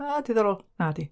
O diddorol. Nadi